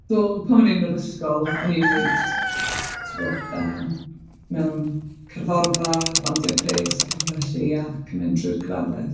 Do. Pan o'n i'n yr ysgol, o'n i'n wneud... Mm. ...tibod yym, mewn cerddorfa, bandiau pres, pethe felly, ac yn mynd trwy'r graddau.